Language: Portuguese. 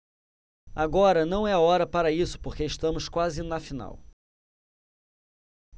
agora não é hora para isso porque estamos quase na final